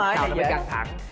sau đó mới căng thẳng